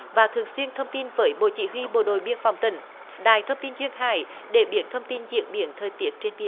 và thường xuyên thông tin với bộ chỉ huy bộ đội biên phòng tỉnh đài thông tin duyên hải để biết thông tin diễn biến thời tiết trên biển